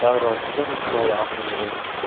davron yana kinoya ohangi bilan